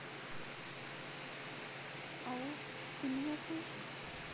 ау ты меня слышишь